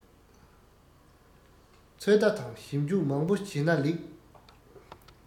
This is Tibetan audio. ཚོད ལྟ དང ཞིམ འཇུག མང པོ བྱས ན ལེགས